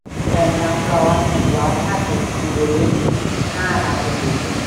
ต้มน้ำร้อนหนึ่งร้อยห้าสิบมิลลิลิตรห้านาที